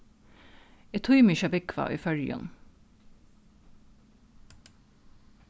eg tími ikki at búgva í føroyum